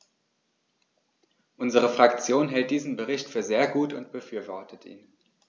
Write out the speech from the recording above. Unsere Fraktion hält diesen Bericht für sehr gut und befürwortet ihn.